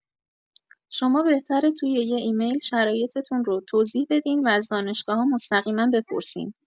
شما بهتره توی یه ایمیل شرایطتون رو توضیح بدین و از دانشگاه‌‌ها مستقیما بپرسین